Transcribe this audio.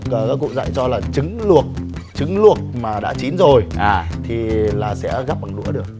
các cụ dạy cho là trứng luộc trứng luộc mà đã chín rồi thì là sẽ gắp bằng đũa được